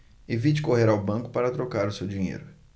evite correr ao banco para trocar o seu dinheiro